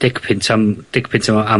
degpunt am degpunt t'mo' am...